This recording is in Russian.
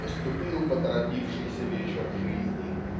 наступил поторопившийся вечер жизни